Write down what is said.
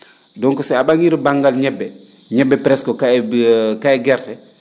donc so a ?a?ii ro banngal ñebbe ñebbe presque ka'e ka'e gerte